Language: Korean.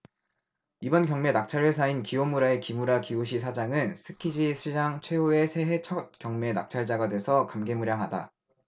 이번 경매 낙찰 회사인 기요무라의 기무라 기요시 사장은 쓰키지시장 최후의 새해 첫경매 낙찰자가 돼서 감개무량하다